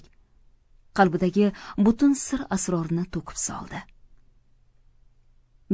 qalbidagi butun sir asrorini to'kib soldi